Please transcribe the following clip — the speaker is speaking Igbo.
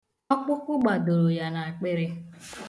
Ọkpụkpụ gbadoro ya n'akpịrị.